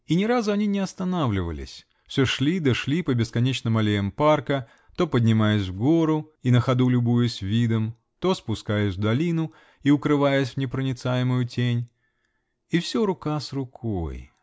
И ни разу они не останавливались -- все шли да шли по бесконечным аллеям парка, то поднимаясь в гору и на ходу любуясь видом, то спускаясь в долину и укрываясь в непроницаемую тень -- и все рука с рукой.